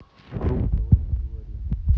круг давай поговорим